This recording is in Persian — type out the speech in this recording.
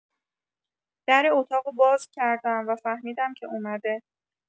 در اتاقو باز کردم و فهمیدم که اومده